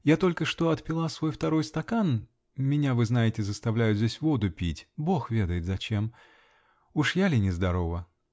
Я только что отпила свой второй стакан -- меня, вы знаете, заставляют здесь воду пить, бог ведает зачем. уж я лине здорова?